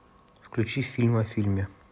включи фильм о фильме